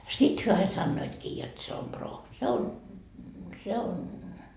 sitten he aina sanoivatkin jotta se on proo se on